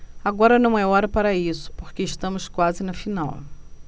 agora não é hora para isso porque estamos quase na final